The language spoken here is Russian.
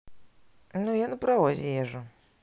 ну я на паровозе езжу